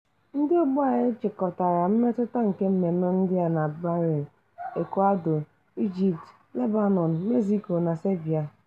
Ndị ógbè anyị chịkọtara mmetụta nke mmemme ndị a na Bahrain, Ecuador, Ijipt, Lebanọn, Mexico na Serbia.